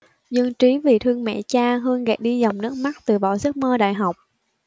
dân trí vì thương mẹ cha hương gạt đi dòng nước mắt từ bỏ giấc mơ đại học